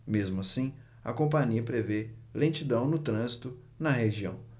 mesmo assim a companhia prevê lentidão no trânsito na região